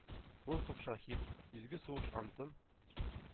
Волхов шаһит: изге сугыш антын